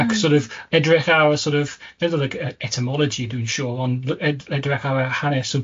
Ac sor' of edrych ar y sor' of, meddwl like y etymology dwi'n siŵr, ond ed- edrych ar y hanes, so